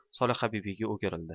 solihabibiga o'girildi